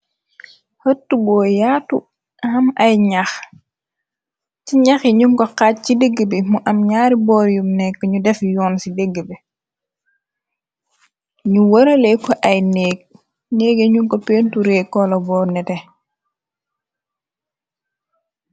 Hëttu boo yaatu ham ay ñax ci naxi ñum ko xaaj ci diggi bi mu am ñyaari boor yum nekk ñu def yoon ci digg bi ñu wëralee ko ay néeg néggi ñu ko pentu rée koola boo nete.